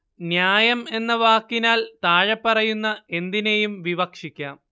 ന്യായം എന്ന വാക്കിനാൽ താഴെപ്പറയുന്ന എന്തിനേയും വിവക്ഷിക്കാം